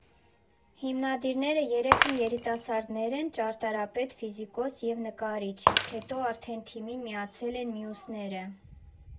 Հիմնադիրները երեքն երիտասարդներ են՝ ճարտարապետ, ֆիզիկոս և նկարիչ, իսկ հետո արդեն թիմին միացել են մյուսները։